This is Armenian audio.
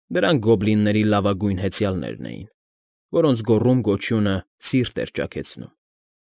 Դրանք գոբլինների լավագույն հեծյալներն էին, որոնց գոռում֊գոչյունը սիրտ էր ճաքեցնում։